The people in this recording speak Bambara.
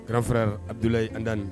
Grand frère Abudulayi Andani